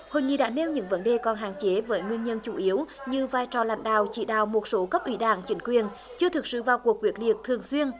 hội nghị đã nêu những vấn đề còn hạn chế với nguyên nhân chủ yếu như vai trò lãnh đạo chỉ đạo một số cấp ủy đảng chính quyền chưa thực sự vào cuộc quyết liệt thường xuyên